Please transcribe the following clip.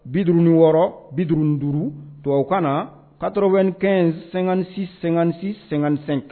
Bid wɔɔrɔ bid duuru tubabu kan na kato bɛ kɛ sengsi senganisi sengisen